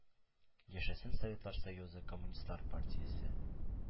Яшәсен Советлар Союзы Коммунистлар партиясе!